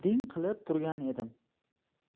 qilib turgan edim